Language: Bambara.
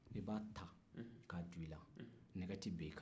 i b'a ta ka don i la nɛgɛ tɛ bin a kan